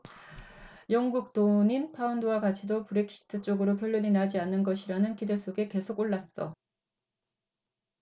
영국 돈인 파운드화 가치도 브렉시트 쪽으로 결론이 나지 않는 것이라는 기대 속에 계속 올랐어